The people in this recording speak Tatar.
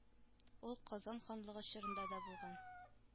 Ул казан ханлыгы чорында да булган